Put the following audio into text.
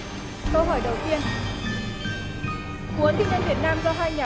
câu hỏi đầu tiên cuốn thi nhân việt nam do hai nhà